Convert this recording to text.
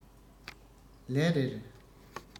ལན རེར